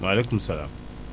maaleykum salaam